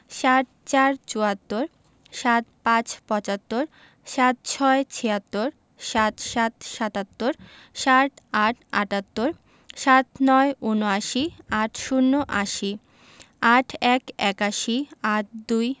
৭৪ – চুয়াত্তর ৭৫ – পঁচাত্তর ৭৬ - ছিয়াত্তর ৭৭ – সাত্তর ৭৮ – আটাত্তর ৭৯ – উনআশি ৮০ - আশি ৮১ – একাশি ৮২